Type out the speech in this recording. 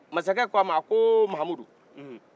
masakɛ ko a ma a ko mahamudu nhun